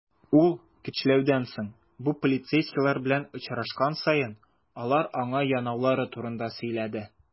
Ул, көчләүдән соң, бу полицейскийлар белән очрашкан саен, алар аңа янаулары турында сөйләде.